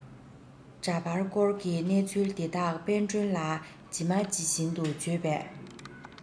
འདྲ པར བསྐོར གྱི གནས ཚུལ དེ དག དཔལ སྒྲོན ལ ཇི མ ཇི བཞིན དུ བརྗོད པས